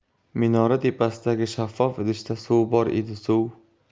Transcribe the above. minora tepasidagi shaffof idishda suv bor edi suv